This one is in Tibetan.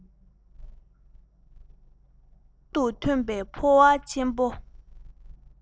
གློ བ དང མཆིན པ